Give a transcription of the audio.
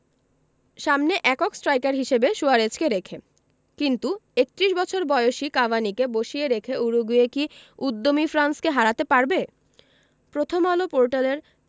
সামনে একক স্ট্রাইকার হিসেবে সুয়ারেজকে রেখে কিন্তু ৩১ বছর বয়সী কাভানিকে বসিয়ে রেখে উরুগুয়ে কি উদ্যমী ফ্রান্সকে হারাতে পারবে প্রথমআলো পোর্টালের